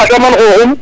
a daman xoxum